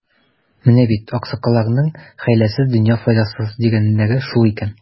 Менә бит, аксакалларның, хәйләсез — дөнья файдасыз, дигәннәре шул икән.